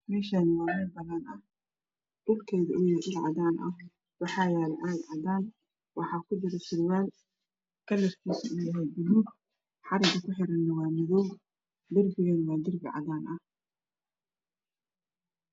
Meeshaan waa meel banaan ah dhulkeedu uuyahay dhul cadaan ah waxaa yaalo caag cadaan waxaa kujiro surwaal kalarkiisu yahay buluug xariga kuxirana waa madow darbigana waa cadaan.